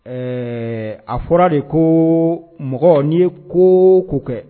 Ɛɛ a fɔra de ko mɔgɔ n'i ye ko o ko kɛ